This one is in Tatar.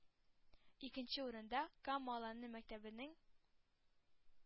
Икенче урында – Кама Аланы мәктәбенең